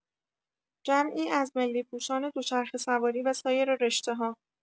جمعی از ملی‌پوشان دوچرخه‌سواری و سایر رشته‌ها